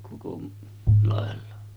koko lailla